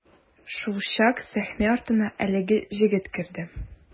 Шулчак сәхнә артына әлеге җегет керде.